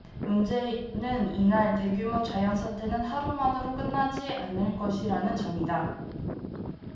문제는 이날 대규모 지연 사태는 하루만으로 끝나지는 않을 것이라는 점이다